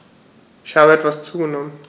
Ich habe etwas zugenommen